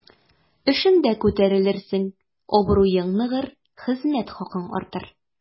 Эшеңдә күтәрелерсең, абруең ныгыр, хезмәт хакың артыр.